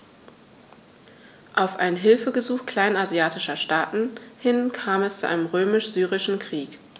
Auf ein Hilfegesuch kleinasiatischer Staaten hin kam es zum Römisch-Syrischen Krieg.